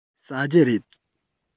ཟ རྒྱུ རེད